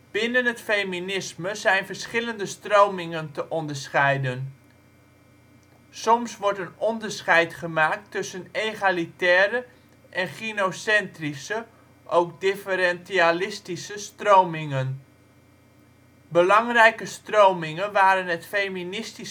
Binnen het feminisme zijn verschillende stromingen te onderscheiden. Soms wordt een onderscheid gemaakt tussen egalitaire en gynocentrische (ook: differentialistische) stromingen. Belangrijke stromingen waren het feministisch